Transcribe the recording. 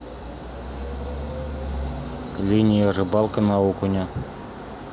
линия рыбалка на окуня